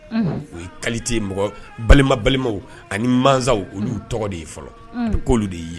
U ye kalite mɔgɔ balima balimaw ani masaw olu tɔgɔ de ye fɔlɔ koolu de'i ye